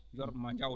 jorɗoma jawta